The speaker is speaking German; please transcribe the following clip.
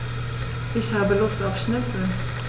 Ich habe Lust auf Schnitzel.